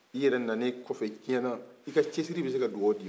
i yɛrɛ nanen kɔ fɛ diɲɛ na i casiri de bɛ se dugawu di e man